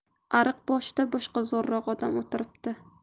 ariq boshida boshqa zo'rroq odam o'tiribdi